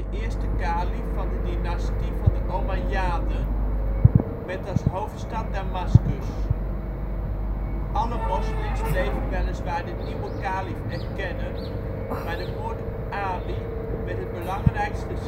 eerste kalief van de dynastie van de Omajjaden met als hoofdstad Damascus. Alle moslims bleven weliswaar de nieuwe kalief erkennen, maar de moord op Ali werd het belangrijkste